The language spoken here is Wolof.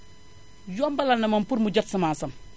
yombalal na moom pour mu jot semence am